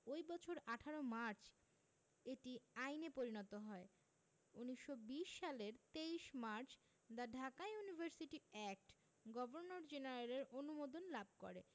ওই বছর ১৮ মার্চ এটি আইনে পরিণত হয় ১৯২০ সালের ২৩ March the Dhaka university act governor জেনারেলের অনুমোদন লাভ করে